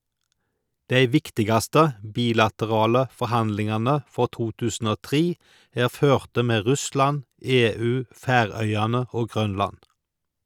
Dei viktigaste bilaterale forhandlingane for 2003 er førte med Russland, EU, Færøyane og Grønland.